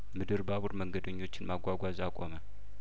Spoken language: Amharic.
ምድር ባቡር መንገደኞችን ማጓጓዝ አቆመ